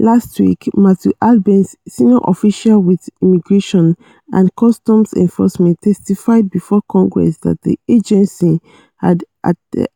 Last week, Matthew Albence, a senior official with Immigration and Customs Enforcement, testified before Congress that the agency had